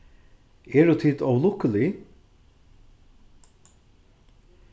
eru tit ólukkulig